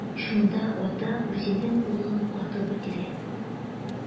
Шунда ата үзенең улын атып үтерә.